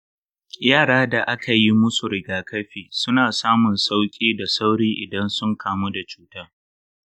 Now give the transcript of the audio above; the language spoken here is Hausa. yara da aka yi musu rigakafi suna samun sauƙi da sauri idan sun kamu da cuta.